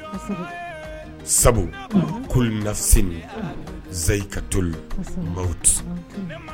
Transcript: . Kosɛbɛ. Sabu. Unhun. .